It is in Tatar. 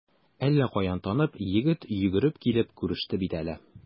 Әллә каян танып, егет йөгереп килеп күреште бит әле.